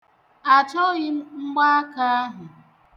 Achọghị m mgbaaka ahụ.